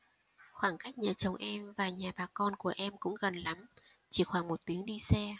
khoảng cách nhà chồng em và nhà bà con của em cũng gần lắm chỉ khoảng một tiếng đi xe